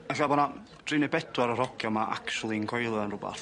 Ella bo' 'na dri ne' bedwar o'r ogia 'ma actually yn coelio yn rwbath.